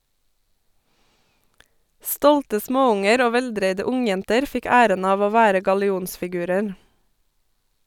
Stolte småunger og veldreide ungjenter fikk æren av å være gallionsfigurer.